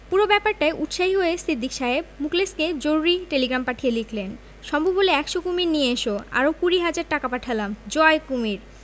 পুরো ব্যাপারটায় উৎসাহী হয়ে সিদ্দিক সাহেব মুখলেসকে জরুরী টেলিগ্রাম পাঠিয়ে লিখলেন সম্ভব হলে একশ কুমীর নিয়ে এসো আরো কুড়ি হাজার টাকা পাঠালাম জয় কুমীর